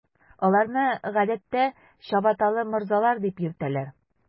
Аларны, гадәттә, “чабаталы морзалар” дип йөртәләр.